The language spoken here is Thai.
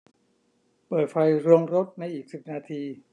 เปิดไฟโรงรถในอีกสิบนาที